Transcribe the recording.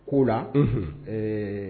Ko ola ɛɛ